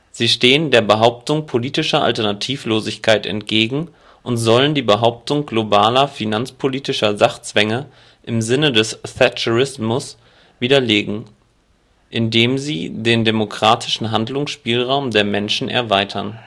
Sie stehen der Behauptung politischer Alternativlosigkeit entgegen und sollen die Behauptung globaler finanzpolitischer Sachzwänge im Sinne des Thatcherismus widerlegen, indem sie den demokratischen Handlungsspielraum der Menschen erweitern